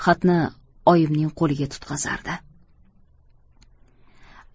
xatni oyimning qo'liga tutqazardi